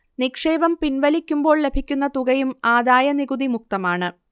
നിക്ഷേപം പിൻവലിക്കുമ്പോൾ ലഭിക്കുന്ന തുകയും ആദായനികുതി മുക്തമാണ്